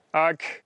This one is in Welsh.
ag